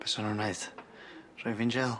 Be' sa nw'n neud? Rhoi fi'n jêl?